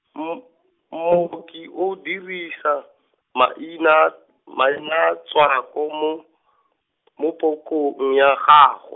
mm- , mmoki o dirisa, maina, mainatswako mo , mo pokong ya gagw-.